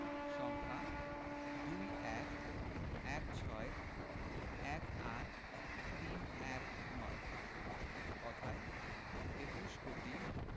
সংখ্যাঃ ২১ ১৬ ১৮ ৩১৯ কথায়ঃ একুশ কোটি